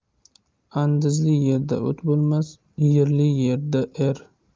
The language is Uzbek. andizli yerda ot o'lmas iyirli yerda er